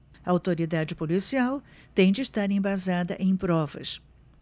a autoridade policial tem de estar embasada em provas